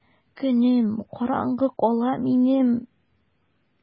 Көнем караңгы кала минем!